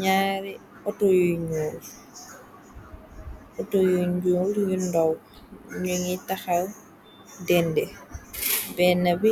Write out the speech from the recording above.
Nyaari auto yu nyuul yu ndow. Nyu ngi taxal dende. Beni bi